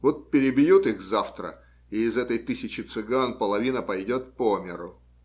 Вот перебьют их завтра, и из этой тысячи цыган половина пойдет по миру.